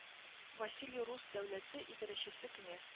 Василий рус дәүләте идарәчесе князь